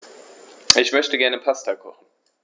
Ich möchte gerne Pasta kochen.